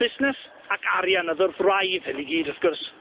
Busnes ac arian o'dd wrth wraidd hyn i gyd wrth gwrs.